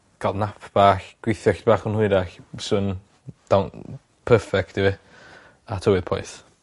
ca'l nap bach. Gweithio chydig bach yn hwyrach. Bysa fe'n del- perfect i fi. A tywydd poeth.